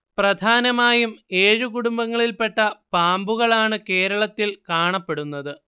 പ്രധാനമായും ഏഴ് കുടുംബങ്ങളിൽപ്പെട്ട പാമ്പുകളാണ് കേരളത്തിൽ കാണപ്പെടുന്നത്